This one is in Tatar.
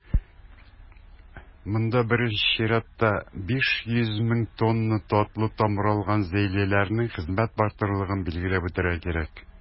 Монда, беренче чиратта, 500 мең тонна татлы тамыр алган зәйлеләрнең хезмәт батырлыгын билгеләп үтәргә кирәк.